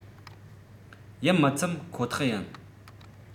ཡིད མི ཚིམ ཁོ ཐག ཡིན